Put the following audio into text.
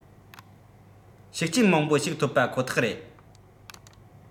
ཤུགས རྐྱེན མང པོ ཞིག ཐོབ པ ཁོ ཐག རེད